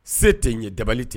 Se tɛ n ye, dabali tɛ